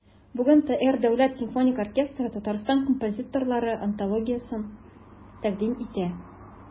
Бүген ТР Дәүләт симфоник оркестры Татарстан композиторлары антологиясен тәкъдим итә.